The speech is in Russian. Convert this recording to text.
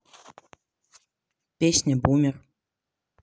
песня бумер